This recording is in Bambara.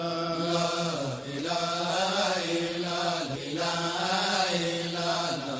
Sanunɛla lela